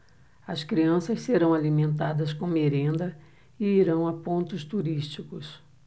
as crianças serão alimentadas com merenda e irão a pontos turísticos